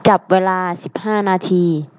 จับเวลาสิบห้านาที